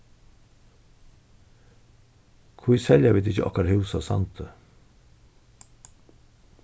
hví selja vit ikki okkara hús á sandi